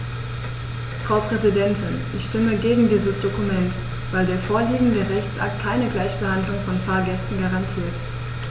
Frau Präsidentin, ich stimme gegen dieses Dokument, weil der vorliegende Rechtsakt keine Gleichbehandlung von Fahrgästen garantiert.